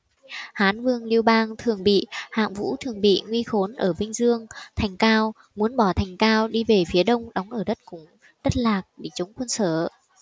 hán vương lưu bang thường bị hạng vũ thường bị nguy khốn ở vinh dương thành cao muốn bỏ thành cao đi về phía đông đóng ở đất củng đất lạc để chống quân sở